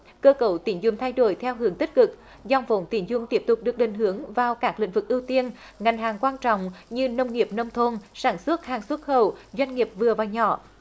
cơ cấu tín dụng thay đổi theo hướng tích cực dòng vốn tín dụng tiếp tục được định hướng vào các lĩnh vực ưu tiên ngân hàng quan trọng như nông nghiệp nông thôn sản xuất hàng xuất khẩu doanh nghiệp vừa và nhỏ